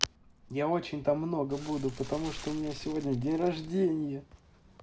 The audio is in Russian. я очень там много буду потому что у меня сегодня день рождения